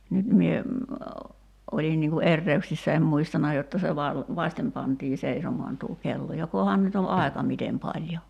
nyt minä olin niin kuin erehdyksissä en muistanut jotta se - vasiten pantiin seisomaan tuo kello jokohan nyt on aika miten paljon